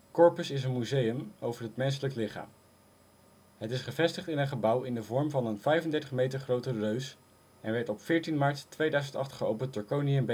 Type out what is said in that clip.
Corpus is een museum over het menselijk lichaam. Het is gevestigd in een gebouw in de vorm van een 35 meter grote reus, en werd op 14 maart 2008 geopend door koningin Beatrix